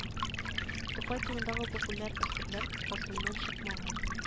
Тукай турындагы популяр әсәрләр кысасыннан чыкмаган